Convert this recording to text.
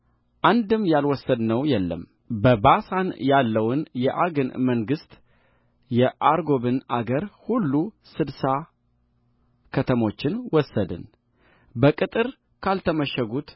አንድም ያልወሰድነው የለም በባሳን ያለውን የዐግን መንግሥት የአርጎብን አገር ሁሉ ስድሳ ከተሞችን ወሰድንበቅጥር ካልተመሸጉት